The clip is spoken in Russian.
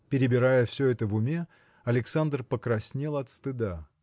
Перебирая все это в уме, Александр покраснел от стыда.